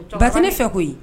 Ba tɛ ne fɛ koyi.